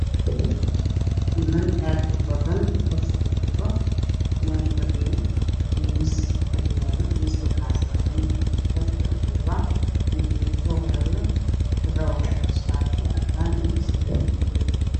Meeshan waa hool waxaan isugu imaaday niman odayaal waxa ay ku fadhiyaan kuraasta waxaa hor yaalla buugaag qalimaan